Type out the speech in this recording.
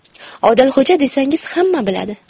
odilxo'ja desangiz hamma biladi